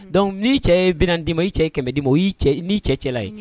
Donc n’i cɛ ye bi nanni di ma i cɛ ye kɛmɛ d’i ma o y’i cɛ ni cɛ cɛla ye.